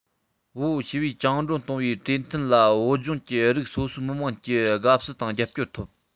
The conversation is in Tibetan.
བོད ཞི བའི བཅིངས འགྲོལ གཏོང བའི གྲོས མཐུན ལ བོད ལྗོངས ཀྱི རིགས སོ སོའི མི དམངས ཀྱི དགའ བསུ དང རྒྱབ སྐྱོར ཐོབ